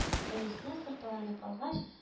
Әнисенә сырпаланып алгач